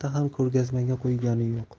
ham ko'rgazmaga qo'yganim yo'q